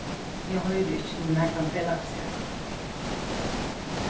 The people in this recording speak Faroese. eg hoyri ikki til nakran felagsskap